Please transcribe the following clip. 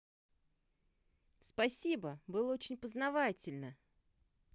спасибо было очень познавательно